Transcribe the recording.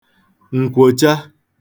ǹkwòcha